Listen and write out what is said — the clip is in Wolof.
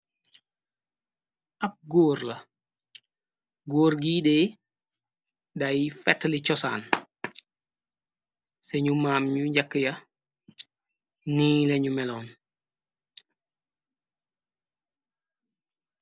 Ab góor la góor giidee day fetali cosaan sañu maam ñu njakk ya ni lañu meloon.